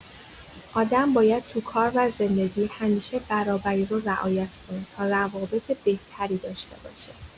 آدم باید تو کار و زندگی همیشه برابری رو رعایت کنه تا روابط بهتری داشته باشه.